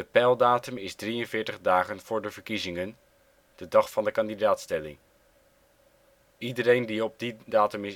peildatum is 43 dagen voor de verkiezing = dag kandidaatstelling. Iedereen die op die datum